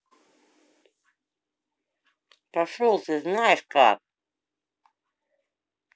пошел ты знаешь как